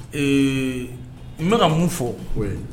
Ee n bɛka ka mun fɔ o ye